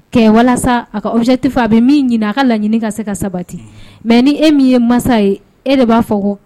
Cɛ walasa a kajɛtifa a bɛ min ɲini a ka laɲini ka se ka sabati mɛ ni e min ye masa ye e de b'a fɔ